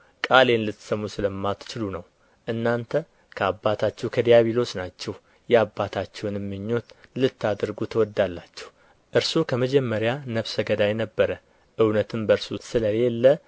ቃሌን ልትሰሙ ስለማትችሉ ነው እናንተ ከአባታችሁ ከዲያብሎስ ናችሁ የአባታችሁንም ምኞት ልታደርጉ ትወዳላችሁ እርሱ ከመጀመሪያ ነፍሰ ገዳይ ነበረ እውነትም በእርሱ ስለ ሌለ